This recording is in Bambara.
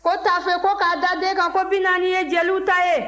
ko taafe ko k'a da den kan ko bi naani ye jeliw ta ye